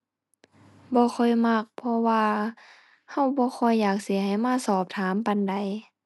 บ่ค่อยมัก เพราะว่าเราบ่ค่อยอยากสิให้มาสอบถามปานใด